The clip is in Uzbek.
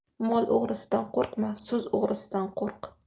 mol o'g'risidan qo'rqma so'z o'g'risidan qo'rq